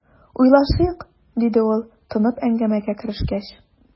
"уйлашыйк", - диде ул, тынып, әңгәмәгә керешкәч.